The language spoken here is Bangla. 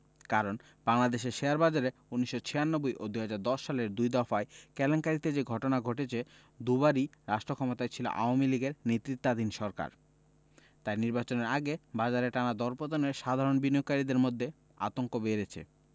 কারণ বাংলাদেশের শেয়ারবাজারে ১৯৯৬ ও ২০১০ সালের দুই দফায় কেলেঙ্কারিতে যে ঘটনা ঘটেছে দুবারই রাষ্টক্ষমতায় ছিল আওয়ামী লীগের নেতৃত্বাধীন সরকার তাই নির্বাচনের আগে বাজারের টানা দরপতনে সাধারণ বিনিয়োগকারীদের মধ্যে আতঙ্ক বেড়েছে